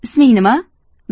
isming nima